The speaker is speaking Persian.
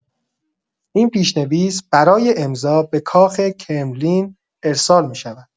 این پیش‌نویس برای امضا به کاخ کرملین ارسال می‌شود.